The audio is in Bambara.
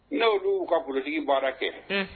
N'o dun'u ka p kulutigi baara kɛ